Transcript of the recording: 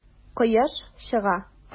Кояш чыга.